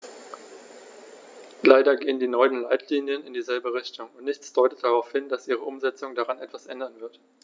Leider gehen die neuen Leitlinien in dieselbe Richtung, und nichts deutet darauf hin, dass ihre Umsetzung daran etwas ändern wird.